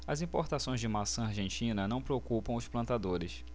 as importações de maçã argentina não preocupam os plantadores